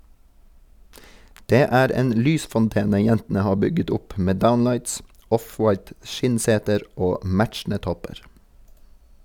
Det er en lysfontene jentene har bygget opp med downlights, offwhite skinnseter og matchende topper.